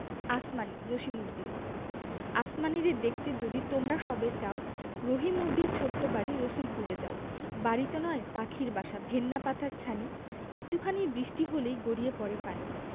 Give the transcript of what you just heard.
আসমানী জসিমউদ্দিন আসমানীরে দেখতে যদি তোমরা সবে চাও রহিমদ্দির ছোট্ট বাড়ি রসুলপুরে যাও বাড়িতো নয় পাখির বাসা ভেন্না পাতার ছানি একটু খানি বৃষ্টি হলেই গড়িয়ে পড়ে পানি